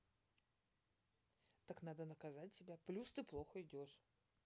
так надо наказать тебя плюс ты плохо идешь